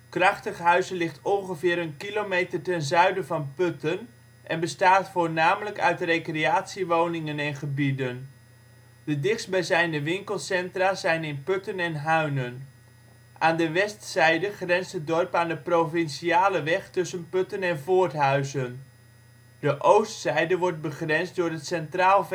Krachtighuizen ligt ongeveer een kilometer ten zuiden van Putten en bestaat voornamelijk uit recreatiewoningen en - gebieden. De dichtstbijzijnde winkelcentra zijn in Putten en Huinen. Aan de westzijde grenst het dorp aan de provinciale weg tussen Putten en Voorthuizen. De oostzijde wordt begrensd door het Centraal